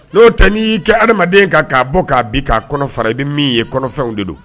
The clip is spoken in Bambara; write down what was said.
N'o ta n'i y'i kɛ adamaden kan, k'a bɔ k'a bin k'a kɔnɔ fara. I bɛ min ye, kɔnɔfɛnw de don